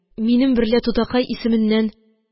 Минем берлә тутакай исеменнән